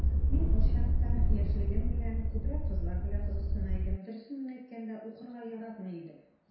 Мин ул чакта, яшьлегем белән, күбрәк кызлар белән кызыксына идем, дөресен генә әйткәндә, укырга яратмый идем...